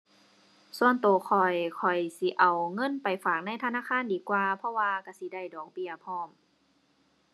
ส่วนตัวข้อย ข้อยสิเอาเงินไปฝากในธนาคารดีกว่า เพราะว่าตัวสิได้ดอกเบี้ยพร้อม